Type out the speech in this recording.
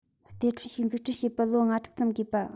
གཏེར ཁྲོན ཞིག འཛུགས སྐྲུན བྱེད པར ལོ ལྔ དྲུག ཙམ དགོས པ